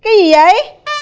cái gì vậy